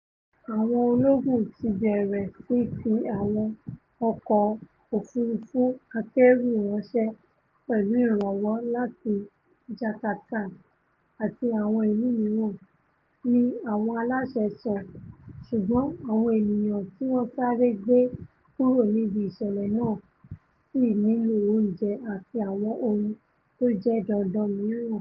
Àwọn ológun ti bẹ̀rẹ̀ sí fi àwọn ọkọ̀ òfurufú akẹ́rù ránṣẹ́ pẹ̀lú ìrànwọ́ làti Jarkata àti àwọn ìlú mìíràn, ni àwọn aláṣẹ sọ, ṣùgbọ́n àwọn ènìyàn tíwọn sáré gbé kúro níbí ìṣẹ̀lẹ̀ náà sì nílò oúnjẹ àti àwọn ohun tójẹ́ dandan mìíràn.